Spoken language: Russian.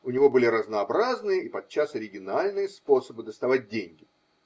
У него были разнообразные и подчас оригинальные способы доставать деньги